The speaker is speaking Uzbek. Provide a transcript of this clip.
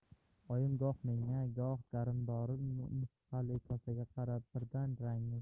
oyim goh menga goh garimdori nusxali kosaga qarab birdan rangi o'chdi